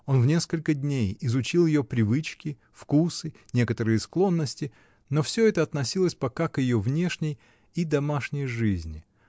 Он в несколько дней изучил ее привычки, вкусы, некоторые склонности, но всё это относилось пока к ее внешней и домашней жизни.